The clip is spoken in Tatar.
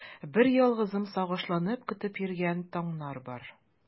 Берьялгызым сагышланып көтеп йөргән таңнар бар.